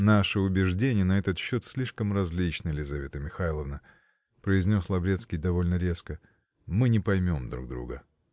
-- Наши убеждения на этот счет слишком различны, Лизавета Михайловна, -- произнес Лаврецкий довольно -- резко, -- мы не поймем друг друга.